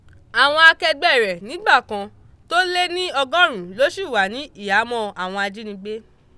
Àwọn akẹgbẹ́ rẹ̀ nígbà kan tó lé ní ọgọ́rùn ún ló ṣì wà ní ìhámọ́ àwọn ajínigbé.